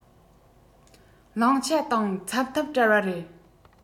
བླང བྱ དང འཚམ ཐབས བྲལ བ རེད